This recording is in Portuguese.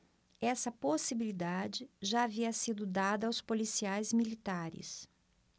essa possibilidade já havia sido dada aos policiais militares